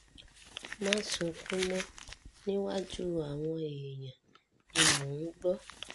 ”Má sunkún mọ níwájú àwọn èèyàn,” ni mò ń gbọ́.